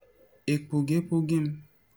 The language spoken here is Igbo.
Ekpughepughi m."